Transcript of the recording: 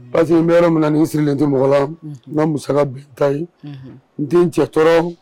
Parce que n bɛ yɔrɔ min ni sirilen tɛ mɔgɔ la n ka musa bi ta ye n den cɛ tɔɔrɔ